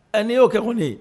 Ɛ ni yo kɛ ko ye